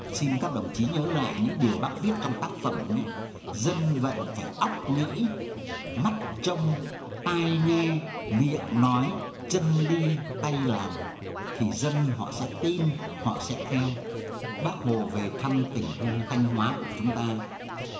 xin các đồng chí nhớ lại những điều bác viết trong tác phẩm nhé dân vận phải óc nghĩ mắt trông tai nghe miệng nói chân đi tay làm thì dân họ sẽ tin họ sẽ theo bác hồ về thăm tỉnh thanh hóa của chúng ta